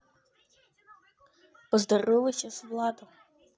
поздоровайся с владом